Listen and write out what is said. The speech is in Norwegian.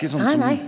nei nei.